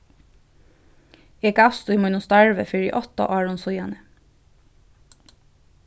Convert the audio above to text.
eg gavst í mínum starvi fyri átta árum síðani